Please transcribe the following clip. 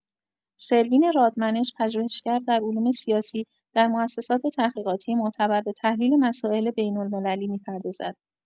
شروین رادمنش، پژوهشگر در علوم سیاسی، در موسسات تحقیقاتی معتبر به تحلیل مسائل بین‌المللی می‌پردازد.